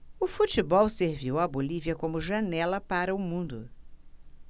o futebol serviu à bolívia como janela para o mundo